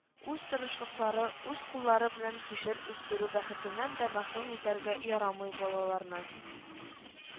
Үз тырышлыклары, үз куллары белән кишер үстерү бәхетеннән дә мәхрүм итәргә ярамый балаларны